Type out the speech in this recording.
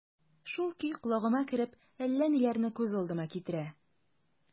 Шул көй колагыма кереп, әллә ниләрне күз алдыма китерә...